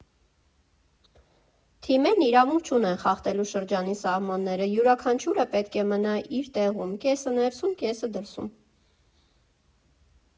Թիմերն իրավունք չունեն խախտելու շրջանի սահմանները, յուրաքանչյուրը պետք է մնա իր տեղում՝ կեսը՝ ներսում, կեսը՝ դրսում։